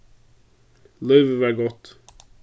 lívið var gott